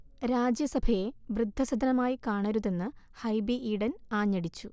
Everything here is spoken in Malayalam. രാജ്യസഭയെ വൃദ്ധസദനമായി കാണരുതെന്ന് ഹൈബി ഈഡൻ ആഞ്ഞടിച്ചു